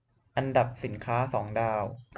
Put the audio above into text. อันดับสินค้าสองดาว